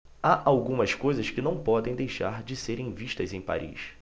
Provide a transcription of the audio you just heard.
há algumas coisas que não podem deixar de serem vistas em paris